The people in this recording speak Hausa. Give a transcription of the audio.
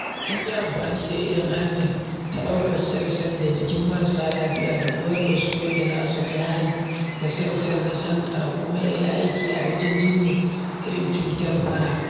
An yi amfani da irin hanyar ta ɗaukan sel-sel da jikin marassa lafiya da "koyar" da su yadda za su kai hari ga sel-sel na sankara kuma ya yi aiki a wajen jinyar irin cutar fara.